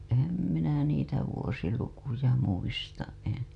enhän minä niitä vuosilukuja muista en